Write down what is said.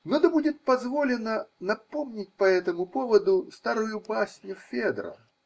Но да будет позволено напомнить по этому поводу старую басню Федра.